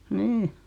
niin